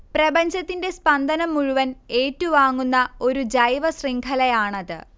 പ്രപഞ്ചത്തിന്റെ സ്പന്ദനം മുഴുവൻ ഏറ്റുവാങ്ങുന്ന ഒരു ജൈവശൃംഖലയാണത്